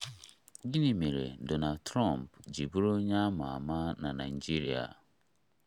Gịnị mere Donald Trump ji bụrụ onye a ma ama na Naịjirịa?